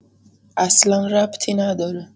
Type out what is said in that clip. اصلا ربطی نداره.